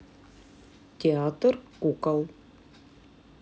театр кукол